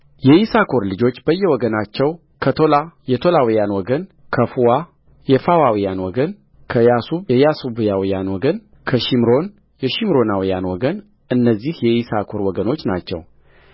የይሳኮር ልጆች በየወገናቸው ከቶላ የቶላውያን ወገን ከፉዋ የፉዋውያን ወገንከያሱብ የያሱባውያን ወገን ከሺምሮን የሺምሮናውያን ወገንእነዚህ የይሳኮር ወገኖች ናቸው